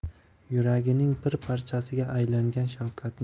yuragining bir parchasiga aylangan shavkatni